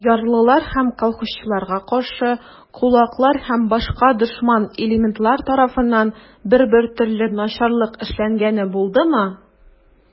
Ярлылар һәм колхозчыларга каршы кулаклар һәм башка дошман элементлар тарафыннан бер-бер төрле начарлык эшләнгәне булдымы?